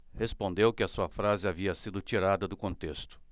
respondeu que a sua frase havia sido tirada do contexto